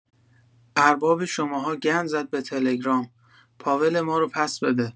ارباب شماها گند زد به تلگرام پاول ما رو پس‌بده